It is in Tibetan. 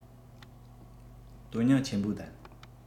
དོན སྙིང ཆེན པོ ལྡན